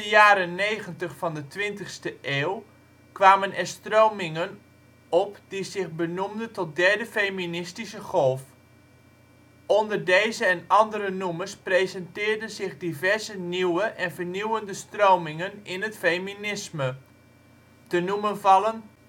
jaren negentig van de twintigste eeuw kwamen er stromingen op die zich benoemden tot derde feministische golf. Onder deze en andere noemers presenteerden zich diverse nieuwe en vernieuwende stromingen in het feminisme. Te noemen vallen